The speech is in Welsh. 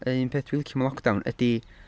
Neu un peth dwi'n licio am y lockdown ydy...